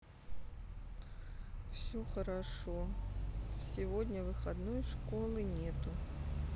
все хорошо сегодня выходной школы нету